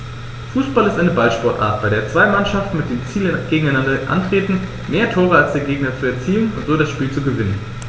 Fußball ist eine Ballsportart, bei der zwei Mannschaften mit dem Ziel gegeneinander antreten, mehr Tore als der Gegner zu erzielen und so das Spiel zu gewinnen.